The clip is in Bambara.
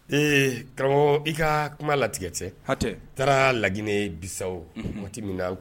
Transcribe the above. Ee karamɔgɔ i ka kuma latigɛ tɛ , hatɛ , n taara Laginɛ Bisawo waati min na